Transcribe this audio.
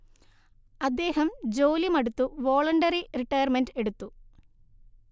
അദ്ദേഹം ജോലി മടുത്തു വോളണ്ടറി റിട്ടയർമെന്റ് എടുത്തു